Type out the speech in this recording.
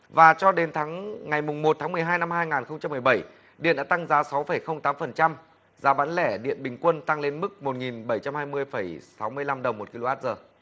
và cho đến thắng ngày mùng một tháng mười hai năm hai ngàn không trăm mười bảy điện đã tăng giá sáu phẩy không tám phần trăm giá bán lẻ điện bình quân tăng lên mức một nghìn bảy trăm hai mươi phẩy sáu mươi lăm đồng một ki lô oát giờ